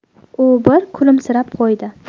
u bir kulimsirab qo'ydi